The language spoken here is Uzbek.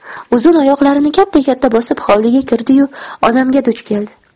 uzun oyoqlarini katta katta bosib hovliga kirdiyu onamga duch keldi